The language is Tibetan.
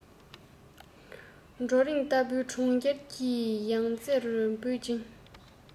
བྲག རོང ལྟ བུའི གྲོང ཁྱེར གྱི ཡང རྩེ རུ བུད ཅིང